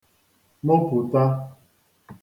-mụpùta